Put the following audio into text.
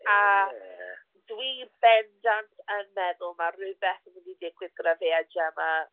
A dwi bendant yn meddwl mae rhywbeth yn mynd i ddigwydd gyda fe a Gemma.